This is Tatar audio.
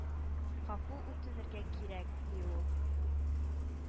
Гафу үтенергә кирәк, – ди ул.